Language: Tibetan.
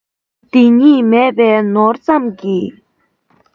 དེ གཉིས མེད པའི ནོར ཙམ གྱིས